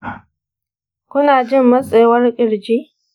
kuna jin matsewar ƙirji?